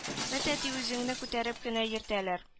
Вәт әти үзеңне күтәреп кенә йөртәләр